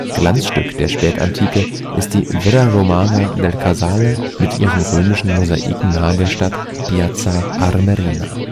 Glanzstück der Spätantike ist die Villa Romana del Casale mit ihren römischen Mosaiken nahe der Stadt Piazza Armerina